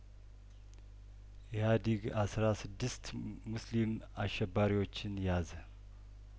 ኢህአዲግ አስራ ስድስት ሙስሊም አሸባሪዎችን ያዘ